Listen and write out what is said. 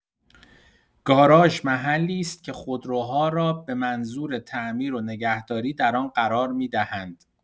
گاراژ محلی است که خودروها را به منظور تعمیر و نگهداری در آن قرار می‌دهند.